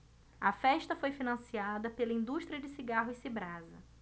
a festa foi financiada pela indústria de cigarros cibrasa